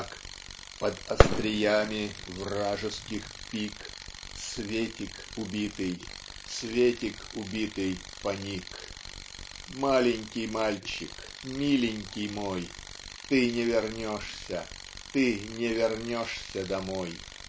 как Под остриями Вражеских пик Светик убитый Светик убитый поник. Маленький мальчик Миленький мой Ты не вернешься Ты не вернешься домой.